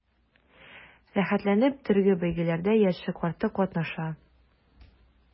Рәхәтләнеп төрле бәйгеләрдә яше-карты катнаша.